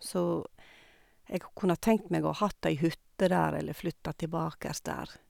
Så jeg kunne ha tenkt meg å hatt ei hytte der eller flytta tilbake der.